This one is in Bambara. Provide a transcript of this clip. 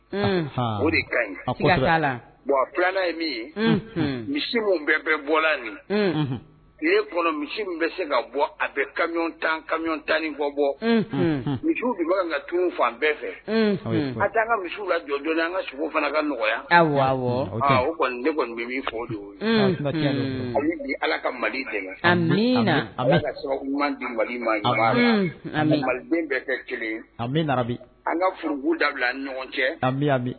Misi minnu bɔ misi bɛ se ka bɔ a bɛ kami tan kami tan bɔ misiw bɛ tun fan an bɛɛ fɛ an t taa an ka misiw la jɔj an ka sogo fana ka nɔgɔya o kɔni ne kɔni min fɔ don bi ala ka mali de di mali an maliden bɛɛ kelen an an ka furuugu dabila an ɲɔgɔn cɛ an